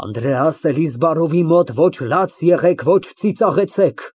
Անդրեաս Էլիզբարովի մոտ ոչ լաց եղեք, ոչ ծիծաղեցեք։